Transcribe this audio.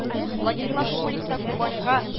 Владислав Кулик та “Кубаньга